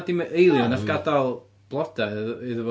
Dim y alien wnaeth gadael blodau idd- iddo fo...